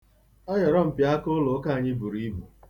Ọyọ̀rọm̀pị̀aka ụlụụka anyị buru ibu.